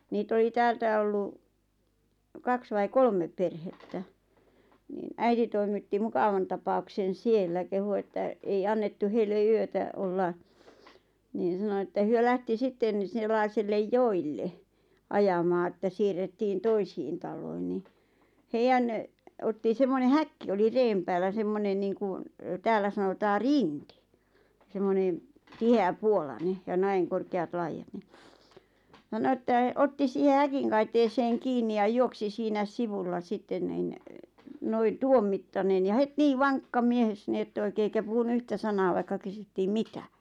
niitä oli täältä ollut kaksi vai kolme perhettä niin äiti toimitti mukavan tapauksen siellä kehui että ei annettu heille yötä olla niin se sanoi että he lähti sitten no sellaiselle joelle ajamaan että siirrettiin toisiin taloihin niin heidän otti semmoinen häkki oli reen päällä semmoinen niin kuin täällä sanotaan rinki semmoinen tiheäpuolainen ja näin korkeat laidat niin sanoi että otti siihen häkin kaiteeseen kiinni ja juoksi siinä sivulla sitten niin noin tuon mittainen ja heti niin vankka mies niin että oikein eikä puhunut yhtä sanaa vaikka kysyttiin mitä